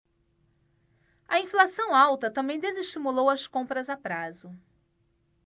a inflação alta também desestimulou as compras a prazo